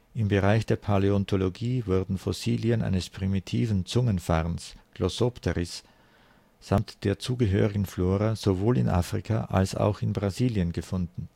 Im Bereich der Paläontologie wurden Fossilien eines primitiven Zungenfarns (Glossopteris) samt der zugehörigen Flora sowohl in Afrika als auch in Brasilien gefunden